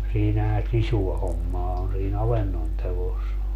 siinähän sisua hommaa on siinä avannon teossa